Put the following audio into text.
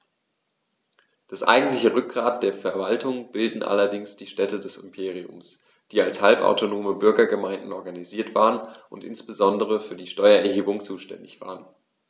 Das eigentliche Rückgrat der Verwaltung bildeten allerdings die Städte des Imperiums, die als halbautonome Bürgergemeinden organisiert waren und insbesondere für die Steuererhebung zuständig waren.